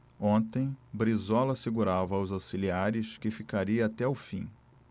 ontem brizola assegurava aos auxiliares que ficaria até o fim